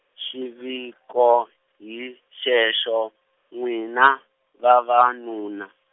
xiviko hi xexo, n'wina, vavanuna.